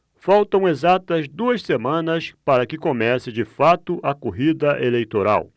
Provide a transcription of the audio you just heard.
faltam exatas duas semanas para que comece de fato a corrida eleitoral